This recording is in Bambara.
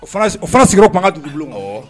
O o fana sigiyɔrɔ o pan ka dugu bulon